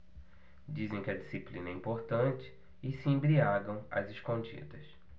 dizem que a disciplina é importante e se embriagam às escondidas